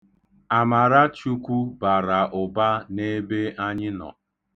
Achọrọ m ka di m baa ụba.